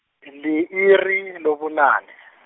li-iri lobunane .